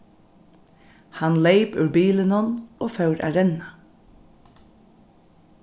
hann leyp úr bilinum og fór at renna